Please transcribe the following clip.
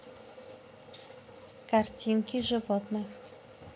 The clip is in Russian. картинки животных